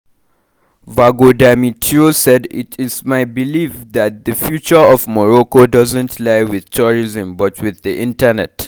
[Vago Damitio:] It's my belief that the future of Morocco doesn't lie with tourism but with the internet.